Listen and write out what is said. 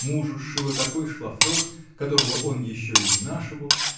мужу сшила такой шлафрок, какого он еще и не нашивал